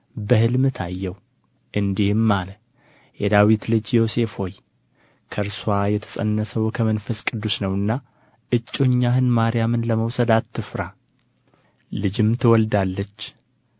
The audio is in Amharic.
በሕልም ታየው እንዲህም አለ የዳዊት ልጅ ዮሴፍ ሆይ ከእርስዋ የተፀነሰው ከመንፈስ ቅዱስ ነውና እጮኛህን ማርያምን ለመውሰድ አትፍራ ልጅም ትወልዳለች